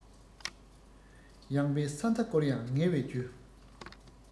ཡངས པའི ས མཐའ བསྐོར ཡང ངལ བའི རྒྱུ